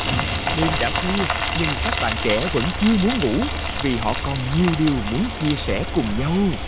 đêm đã khuya nhưng các bạn trẻ vẫn chưa muốn ngủ vì họ còn nhiều điều muốn chia sẻ cùng nhau